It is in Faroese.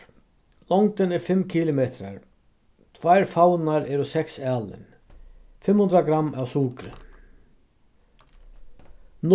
er fimm kilometrar tveir favnar eru seks alin fimm hundrað gramm av sukri